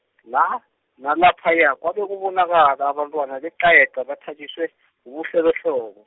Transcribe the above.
la nalaphaya kwabe kubonakala abantwana beqayeqa bathatjiswe, bubuhle behlobo.